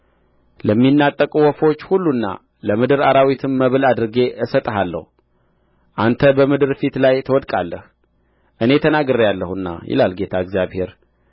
ለሚናጠቁ ወፎች ሁሉና ለምድር አራዊትም መብል አድርጌ እሰጥሃለሁ አንተ በምድር ፊት ላይ ትወድቃለህ እኔ ተናግሬአለሁና ይላል ጌታ እግዚአብሔር